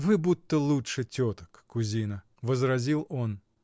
— Вы будто лучше теток, кузина? — возразил он.